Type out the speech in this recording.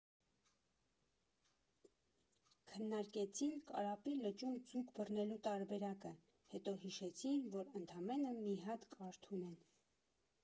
Քննարկեցին Կարապի լճում ձուկ բռնելու տարբերակը, հետո հիշեցին, որ ընդամենը մի հատ կարթ ունեն։